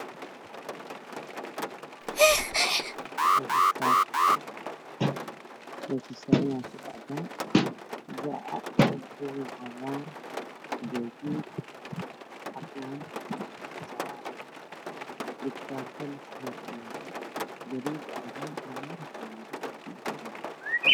Waxaa ii muuqda sariir maxaa saaran midabkiisii yahay qaxwi madow guduud go-a sariirta saaran waa caddaan